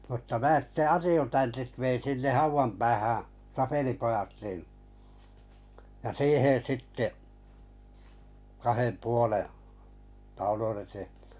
mutta minä sitten adjutantit vein sinne haudan päähän sapelipojat niin ja siihen sitten kahden puolen taulun eteen